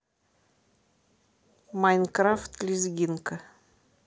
майнкрафт лизгинка